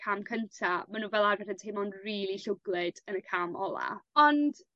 cam cynta ma' n'w fel arfer yn teimlo'n rili llwglyd yn y cam ola. Ond